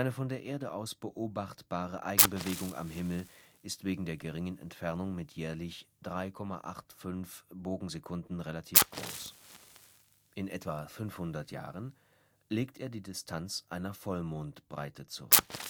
von der Erde aus beobachtbare Eigenbewegung am Himmel ist wegen der geringen Entfernung mit jährlich 3,85″ (Bogensekunden) relativ groß. In etwa 500 Jahren legt er die Distanz einer Vollmondbreite zurück